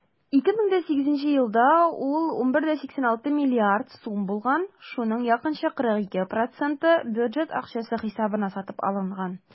2008 елда ул 11,86 млрд. сум булган, шуның якынча 42 % бюджет акчасы хисабына сатып алынган.